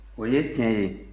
o ye tiɲɛ ye